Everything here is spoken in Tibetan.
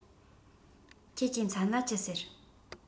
ཁྱེད ཀྱི མཚན ལ ཅི ཟེར